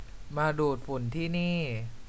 มาดูดฝุ่นที่นี่